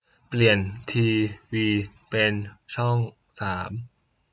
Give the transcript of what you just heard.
เปลี่ยนทีวีเป็นช่องสาม